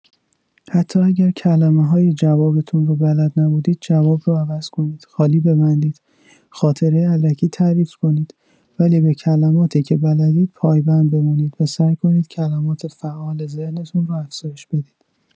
حتی اگر کلمه‌های جوابتون رو بلد نبودید جواب رو عوض کنید، خالی ببندید، خاطره الکی تعریف کنید ولی به کلماتی که بلدید پایبند بمونید و سعی کنید کلمات فعال ذهنتون رو افزایش بدید.